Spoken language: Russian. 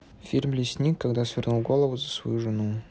фильм лесник когда свернул голову за свою жену